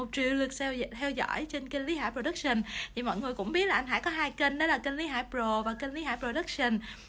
một triệu lượt theo dõi trên kênh lý hải pờ rồ đúc sần thì mọi người cũng biết là anh hải có hai kênh đó là kênh lý hải pờ rồ và lý hải pờ rồ đúc sần